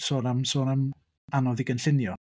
Sôn am sôn am anodd i gynllunio.